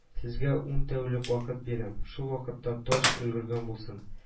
-- сезгә ун тәүлек вакыт бирәм, шул вакытка таҗ өлгергән булсын